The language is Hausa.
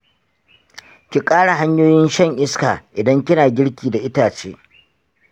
ki kara hanyoyin shan iska idan kina girki da itace.